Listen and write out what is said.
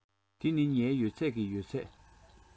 འདི ནི ངའི ཡོད ཚད ཀྱི ཡོད ཚད